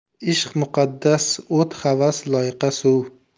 ishq muqaddas o't havas loyqa suv